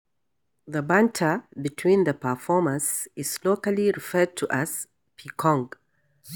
The banter between the performers is locally referred to as "picong".